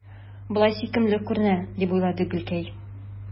Болай сөйкемле күренә, – дип уйлады Гөлкәй.